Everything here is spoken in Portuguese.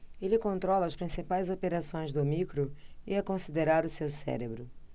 ele controla as principais operações do micro e é considerado seu cérebro